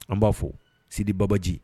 An b'a fɔ sidi babaji